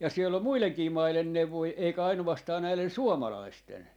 ja siellä on muidenkin maiden neuvoja eikä ainoastaan näiden suomalaisten